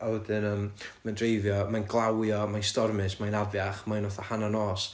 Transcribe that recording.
a wedyn yym ma'n dreifio, mae'n glawio mae'n stormus ma'n afiach mae'n fatha hanner nos